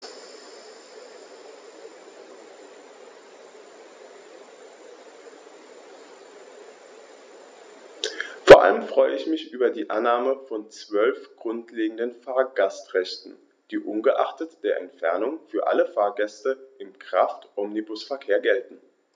Vor allem freue ich mich über die Annahme von 12 grundlegenden Fahrgastrechten, die ungeachtet der Entfernung für alle Fahrgäste im Kraftomnibusverkehr gelten.